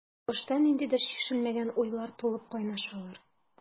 Башта ниндидер чишелмәгән уйлар тулып кайнашалар.